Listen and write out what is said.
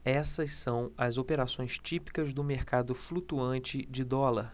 essas são as operações típicas do mercado flutuante de dólar